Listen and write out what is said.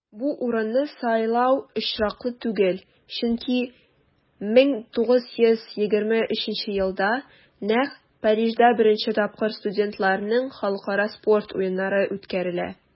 Бу урынны сайлау очраклы түгел, чөнки 1923 елда нәкъ Парижда беренче тапкыр студентларның Халыкара спорт уеннары үткәрелә.